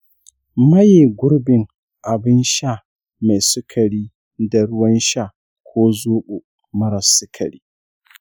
maye gurbin abin sha mai sukari da ruwan sha ko zoɓo mara sukari.